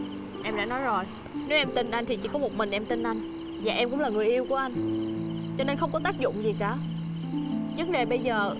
em đã nói rồi nếu em tin anh thì chỉ có một mình em tin anh và em cũng là người yêu của anh cho nên không có tác dụng gì cả vấn đề bây giờ